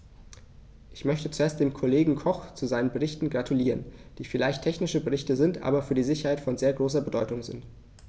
Ich möchte zuerst dem Kollegen Koch zu seinen Berichten gratulieren, die vielleicht technische Berichte sind, aber für die Sicherheit von sehr großer Bedeutung sind.